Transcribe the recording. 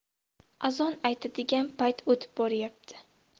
azon aytadigan payt o'tib boryapti